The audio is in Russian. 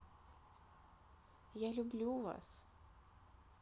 я люблю вас